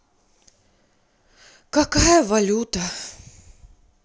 какая валюта